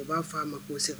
U b'a faa a ma' segin